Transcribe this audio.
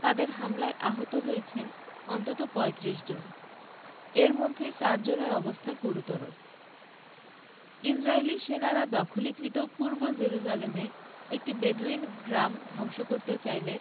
তাদের হামলায় আহত হয়েছেন অন্তত ৩৫ জন এর মধ্যে চার জনের অবস্থা গুরুত্বর ইসরাইলি সেনারা দখলীকৃত পূর্ব জেরুজালেমে একটি বেদুইন গ্রাম ধ্বংস করতে চাইলে